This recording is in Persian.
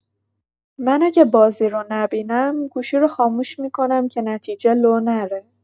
من اگه بازی رو نبینم، گوشی رو خاموش می‌کنم که نتیجه لو نره.